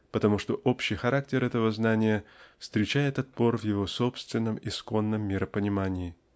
потому что общий характер этого знания встречает отпор в его собственном исконном миропонимании.